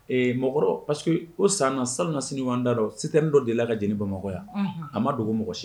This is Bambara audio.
Ee mɔgɔkɔrɔ parce que ko san sa na siniɲɔgɔndadɔ si tɛ dɔ de la ka jeli bamakɔya a ma dogo mɔgɔ si